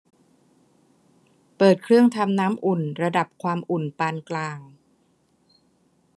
เปิดเครื่องทำน้ำอุ่นระดับความอุ่นปานกลาง